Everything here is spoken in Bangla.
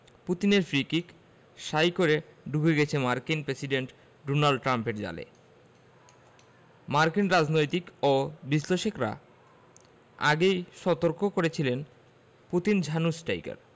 পুতিনের ফ্রি কিক শাঁই করে ঢুকে গেছে মার্কিন প্রেসিডেন্ট ডোনাল্ড ট্রাম্পের জালে মার্কিন রাজনীতিক ও বিশ্লেষকেরা আগেই সতর্ক করেছিলেন পুতিন ঝানু স্ট্রাইকার